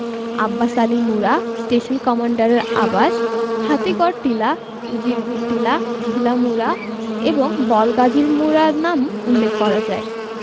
Abbas Ali Mura station কমান্ডারের আবাস হাতিগড় টিলা উজিরপুর টিলা ঘিলা মুড়া এবং বলগাজীর মুড়ার নাম উল্লেখ করা যায়